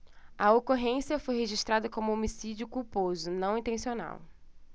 a ocorrência foi registrada como homicídio culposo não intencional